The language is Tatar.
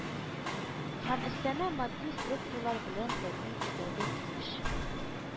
Һәм өстәмә матди средстволар белән тәэмин итәргә тиеш